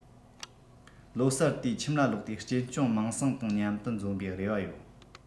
ལོ གསར དུས ཁྱིམ ལ ལོགས ཏེ གཅེན གཅུང མིང སྲིང དང མཉམ དུ འཛོམས པའི རེ བ ཡོད